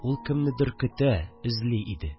Ул кемнедер көтә, эзли иде